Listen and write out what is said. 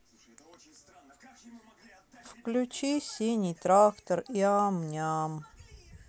включи синий трактор и ам ням